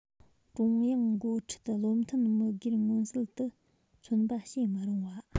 ཀྲུང དབྱང འགོ ཁྲིད བློ མཐུན མི སྒེར མངོན གསལ དུ མཚོན པ བྱེད མི རུང བ